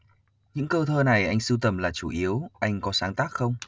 những câu thơ này anh sưu tầm là chủ yếu anh có sáng tác không